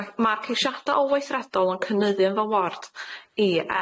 Ma' ma'r ceisiada' olweithredol yn cynyddu yn fy ward i